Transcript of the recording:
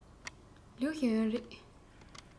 ལིའི ཞའོ ཡན རེད